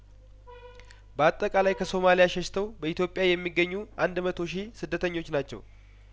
በአጠቃላይ ከሶማሊያ ሸሽተው በኢትዮጵያ የሚገኙ አንድ መቶ ሺህ ስደተኞች ናቸው